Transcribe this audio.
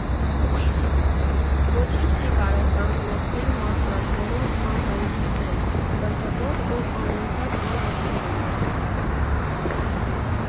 Ոչինչ չի կարող կանգնեցնել մարդկանց, որոնք անհանգիստ են, պրպտող և անընդհատ նոր մտքեր ունեն։